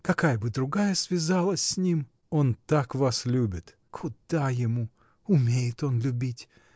Какая бы другая связалась с ним!. — Он так вас любит! — Куда ему? Умеет он любить!